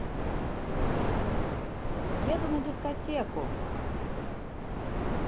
еду на дискотеку